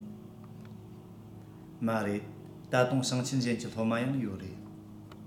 མ རེད ད དུང ཞིང ཆེན གཞན གྱི སློབ མ ཡང ཡོད རེད